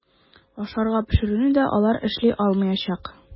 Ашарга пешерүне дә алар эшли алмаячак.